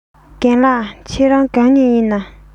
རྒན ལགས ཁྱེད རང ག ནས ཡིན ན